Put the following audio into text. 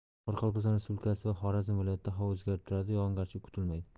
qoraqalpog'iston respublikasi va xorazm viloyatida havo o'zgarib turadi yog'ingarchilik kutilmaydi